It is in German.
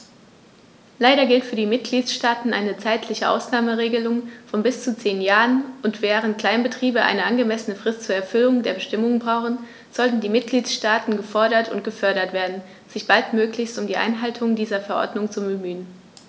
Leider gilt für die Mitgliedstaaten eine zeitliche Ausnahmeregelung von bis zu zehn Jahren, und, während Kleinbetriebe eine angemessene Frist zur Erfüllung der Bestimmungen brauchen, sollten die Mitgliedstaaten gefordert und gefördert werden, sich baldmöglichst um die Einhaltung dieser Verordnung zu bemühen.